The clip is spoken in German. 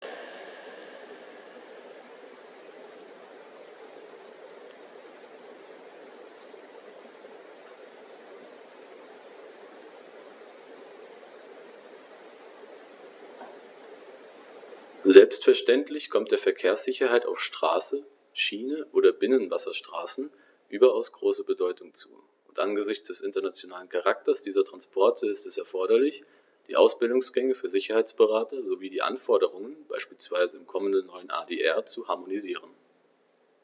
Selbstverständlich kommt der Verkehrssicherheit auf Straße, Schiene oder Binnenwasserstraßen überaus große Bedeutung zu, und angesichts des internationalen Charakters dieser Transporte ist es erforderlich, die Ausbildungsgänge für Sicherheitsberater sowie die Anforderungen beispielsweise im kommenden neuen ADR zu harmonisieren.